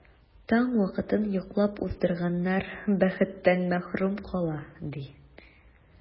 Таң вакытын йоклап уздырганнар бәхеттән мәхрүм кала, ди.